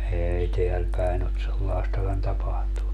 ei täällä päin ole sellaistakaan tapahtunut